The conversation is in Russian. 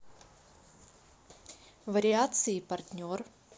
вариации партнер